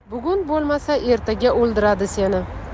bugun bo'lmasa ertaga o'ldiradi seni